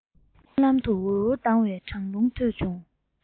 རྨི ལམ དུ འུར འུར ལྡང བའི གྲང རླུང ཐོས བྱུང